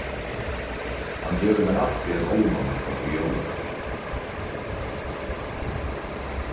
hann gevur mær altíð ein álmanakka í jólagávu